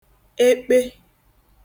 ekpe